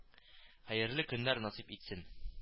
Хәерле көннәр насыйп итсен